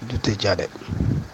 Du tɛ ja dɛ